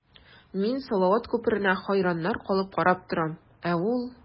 Мин салават күперенә хәйраннар калып карап торам, ә ул...